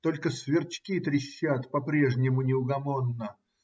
Только сверчки трещат по-прежнему неугомонно.